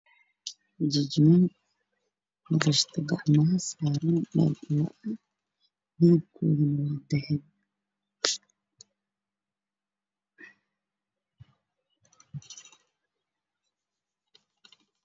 Waa Dahab oo meel saaran